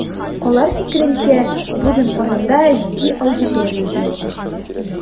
Алар фикеренчә, бүген Казанда җитди аудитория җыелган.